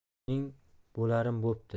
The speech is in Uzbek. mening bo'larim bo'pti